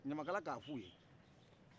ɲamakala ka f'u ye